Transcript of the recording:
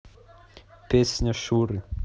песня шуры